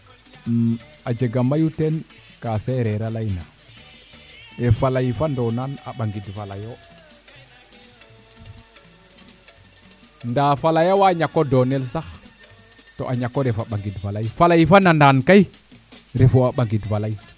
a jega mayu teen ka sereer a ley na e faley fa ndoonan a ɓanit waleyonda faley awa ñako doonel sax to a ñako ref a ɓangid faley faley fa nandaan kay refu a ɓaŋid faley